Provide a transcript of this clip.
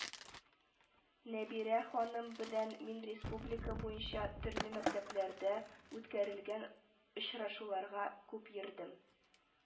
“нәбирә ханым белән мин республика буенча төрле мәктәпләрдә үткәрелгән очрашуларга күп йөрдем